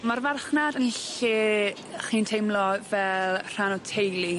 Ma'r farchnad yn lle chi'n teimlo fel rhan o'r teulu.